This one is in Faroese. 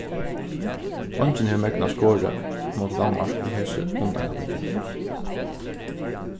eingin hevði megnað at skorað móti danmark í hesi undankappingini